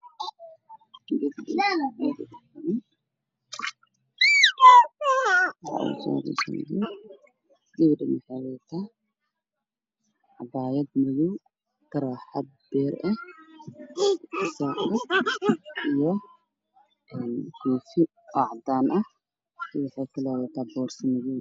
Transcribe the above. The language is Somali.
Waa ilmo dugsi usocdo waxey wataan, shaati iyo buugag